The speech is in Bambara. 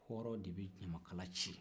hɔrɔn de bɛ ɲamaka ci